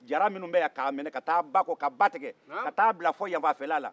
jara minnu bɛ yan ka mina ka taa ba kɔ ka ba tigɛ ka taa bila fɔ yan fanfɛla la